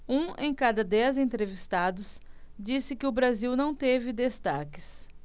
um em cada dez entrevistados disse que o brasil não teve destaques